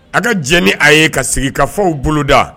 A ka j ni a ye ka sigi kafaw boloda